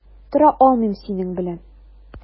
Тора алмыйм синең белән.